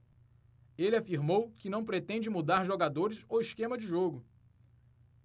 ele afirmou que não pretende mudar jogadores ou esquema de jogo